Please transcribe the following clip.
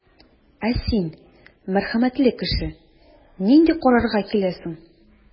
Ә син, мәрхәмәтле кеше, нинди карарга киләсең?